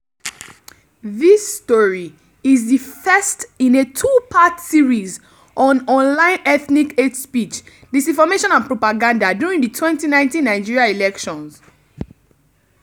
This story is the first in a two-part series on online ethnic hate speech, disinformation and propaganda during the 2019 Nigeria elections.